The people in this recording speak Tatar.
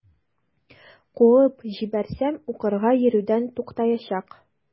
Куып җибәрсәм, укырга йөрүдән туктаячак.